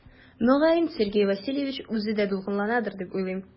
Мөгаен Сергей Васильевич үзе дә дулкынланадыр дип уйлыйм.